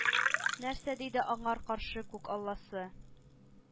Нәрсә диде аңар каршы күк алласы?